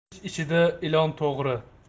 qamish ichida ilon to'g'ri